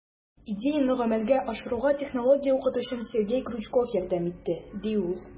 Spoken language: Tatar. Идеяне гамәлгә ашыруга технология укытучым Сергей Крючков ярдәм итте, - ди ул.